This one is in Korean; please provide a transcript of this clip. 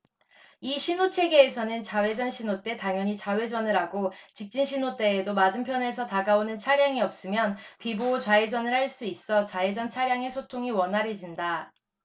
이 신호체계에서는 좌회전 신호 때 당연히 좌회전을 하고 직진 신호 때에도 맞은편에서 다가오는 차량이 없으면 비보호 좌회전을 할 수 있어 좌회전 차량의 소통이 원활해진다